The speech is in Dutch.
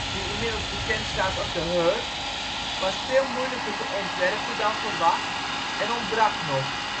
die inmiddels bekend staat als de Hurd) was veel moeilijker te ontwerpen dan verwacht, en ontbrak nog